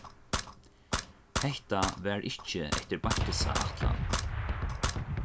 hetta var ikki eftir beintusa ætlan